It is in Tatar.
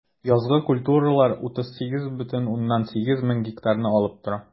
Язгы культуралар 38,8 мең гектарны алып тора.